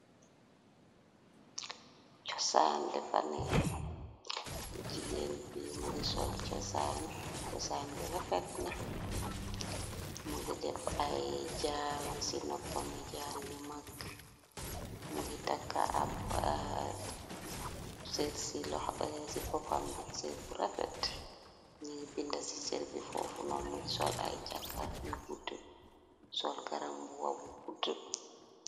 Chosan defane jigeen bi mungi sol chosan bi rafetna mo gi def ay jaaru ci noppami jaar yu mag mongi takka ab sër ci loxbe ci boppam bi sër bu rafet nir bind ci serbi foofu non mugi sol ay cakka nu guddu sol garambubabu guddu.